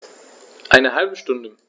Eine halbe Stunde